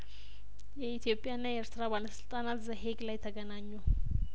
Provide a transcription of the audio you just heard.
የኢትዮጵያ ና የኤርትራ ባለስልጣናት ዘ ሄግ ላይ ተገናኙ